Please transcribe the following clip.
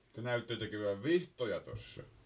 te näytte tekevän vihtoja tuossa